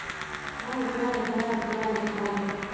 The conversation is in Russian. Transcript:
лайк лайк лайк лайк лайк